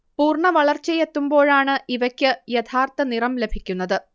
പൂർണ്ണവളർച്ചയെത്തുമ്പോഴാണ് ഇവക്ക് യഥാർത്ത നിറം ലഭിക്കുന്നത്